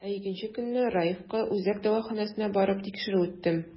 Ә икенче көнне, Раевка үзәк дәваханәсенә барып, тикшерү үттем.